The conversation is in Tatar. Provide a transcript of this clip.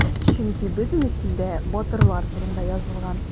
Чөнки бөтенесендә батырлар турында язылган.